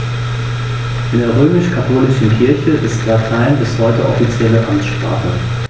In der römisch-katholischen Kirche ist Latein bis heute offizielle Amtssprache.